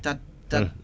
tat tat